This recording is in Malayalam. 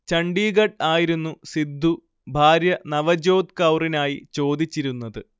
ഛണ്ഡീഗഡ് ആയിരുന്നു സിദ്ധു ഭാര്യ നവ്ജോത് കൗറിനായി ചോദിച്ചിരുന്നത്